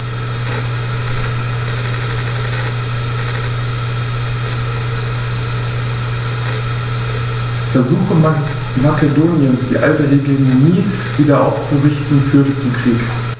Versuche Makedoniens, die alte Hegemonie wieder aufzurichten, führten zum Krieg.